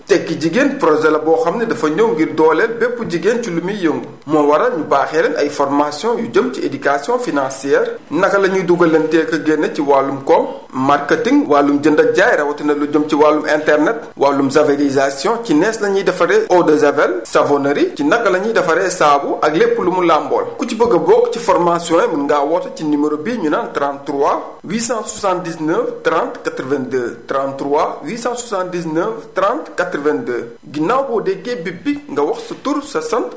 tekki jigéen projet la boo xam ne dafa ñëw ngir dooleel bépp jigéen ci li muy yëngu moo waral ñu baaxee leen ay formation yu jëm ci éducation financière naka la ñuy dugalantee ak a génne ci wàllu koom marketing wàllum jënd ak jaay rawatina lu jëm ci wàllu internet wàllum javelisation ci nees lañuy defare eau de javel savonerie ci naka lañuy defaree saabu ak lépp lumu làmbool ku ci bëgg a bokk ci formation yi mën ngaa woote ci numero bii ñu naa 33 879 30 82 33 879 30 82 ginaaw boo déggee bipe bi nga wax sa tur sa sant